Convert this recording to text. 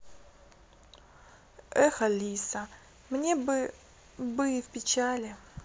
эх алиса мне бы бы и в печали